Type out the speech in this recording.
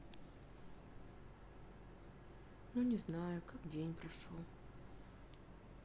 ну не знаю как день прошел